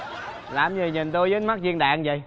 làm gì nhìn tôi với ánh mắt viên đạn vậy